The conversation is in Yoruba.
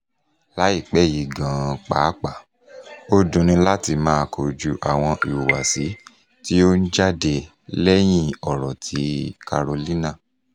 Láìpẹ́ yìí gan-an pàápàá, ó dunni láti máa kojú àwọn ìhùwàsí tí ó ń jáde lẹ́yìn ọ̀rọ̀ ti Carolina...